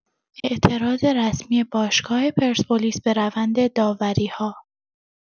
اعتراض رسمی باشگاه پرسپولیس به روند داوری‌ها